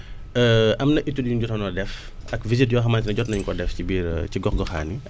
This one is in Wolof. am na étude yu ñu jotoon a def ak visite yoo xamante ne jot nañ ko def si biir ci gox goxaan yi